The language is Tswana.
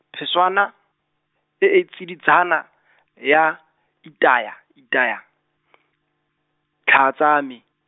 Phešwana, e e tsiditsana, ya, itayaitaya , tlhaa tsa me.